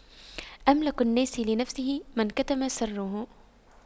أملك الناس لنفسه من كتم سره